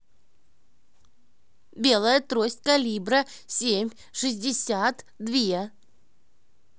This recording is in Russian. белая трость калибра семь шестьдесят две